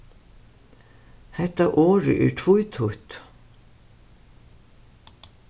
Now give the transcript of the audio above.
hetta orðið er tvítýtt